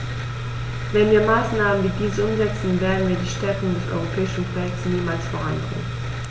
Wenn wir Maßnahmen wie diese umsetzen, werden wir die Stärkung des europäischen Projekts niemals voranbringen.